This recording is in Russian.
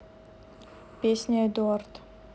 песня эдуард